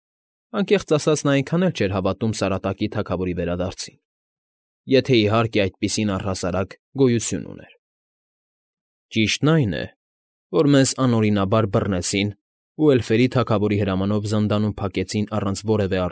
Անկեղծ ասած, նա այնքան էլ չէր հավատում Սարատակի թագավորի վերադարձին (եթե, իհարկե, այդպիսին առհասարակ գոյություն ուներ)։ ֊ Ճիշտն այն է, որ մեզ անօրինաբար բռնեցին ու էլֆերի թագավորի հրամանով զնդանում փակեցին առանց որևէ։